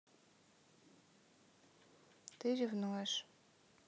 ты ревнуешь